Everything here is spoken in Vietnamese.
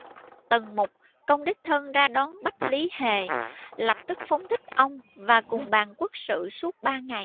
tần mục công đích thân ra đón bách lý hề lập tức phóng thích ông và cùng bàn quốc sự suốt ba ngày